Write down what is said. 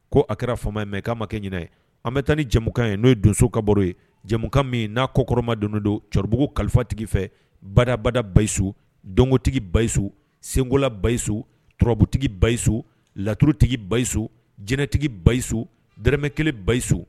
Ko a kɛra faamama ye mɛ k'a ma kɛ ɲɛna ye an bɛ taa ni jamukan ye n'o ye donso ka baro ye jamukan min n'a kɔ kɔrɔma don don cɛkɔrɔbabugu kalifa tigi fɛ badabada basiso donkotigi basiso senkola basiyiso turabutigi basiyiso laturutigi basiso jtigi basiso dmɛ kelen basiso